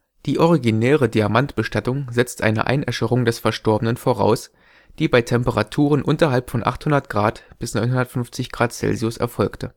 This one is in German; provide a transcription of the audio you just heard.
Die originäre „ Diamantbestattung “setzt eine Einäscherung des Verstorbenen voraus, die bei Temperaturen unterhalb von 800 °C bis 950 °C erfolgte